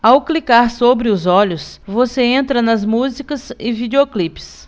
ao clicar sobre os olhos você entra nas músicas e videoclipes